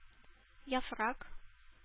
Яфрак